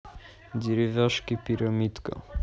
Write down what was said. деревяшки пирамидка